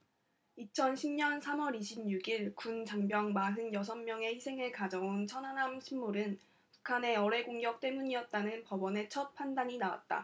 이천 십 년 삼 월 이십 육 일 군 장병 마흔 여섯 명의 희생을 가져온 천안함 침몰은 북한의 어뢰 공격 때문이었다는 법원의 첫 판단이 나왔다